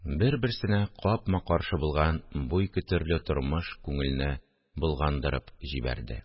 Бер-берсенә капма-каршы булган бу ике төрле тормыш күңелне болгандырып җибәрде